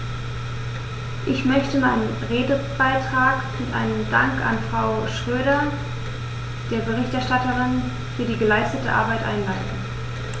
Ich möchte meinen Redebeitrag mit einem Dank an Frau Schroedter, der Berichterstatterin, für die geleistete Arbeit einleiten.